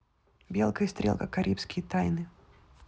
белка и стрелка карибские тайны